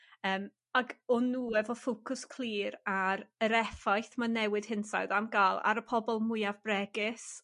Yym ag o'n nhw efo ffocws clir ar yr effaith ma' newid hinsawdd am ga'l ar y pobl mwyaf bregus